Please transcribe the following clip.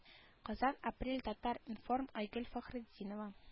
Казан апрель татар-информ айгөл фәхретдинова